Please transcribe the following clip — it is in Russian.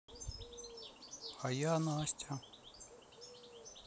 а я настя